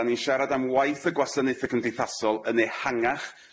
'Dan ni'n sharad am waith y gwasanaethe cymdeithasol yn ehangach.